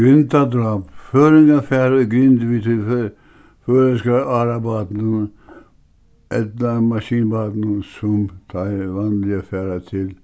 grindadráp føroyingar fara í grind við tí føroyska árabátinum ella maskinbátinum sum teir vanliga fara til